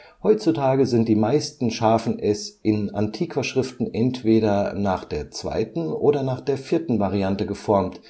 Heutzutage sind die meisten ß in Antiquaschriften entweder nach 2. oder nach 4. geformt